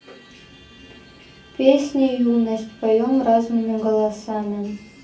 песни юность поем разными голосами